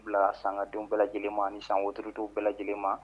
Bila sanga denw bɛɛ lajɛlen ma ni san wotiri to bɛɛ lajɛlen ma